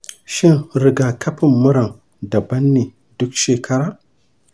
shin rigakafin muran daban ne duk shekara?